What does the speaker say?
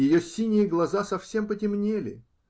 ее синие глаза совсем потемнели.